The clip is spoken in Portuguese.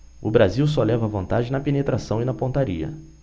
o brasil só leva vantagem na penetração e na pontaria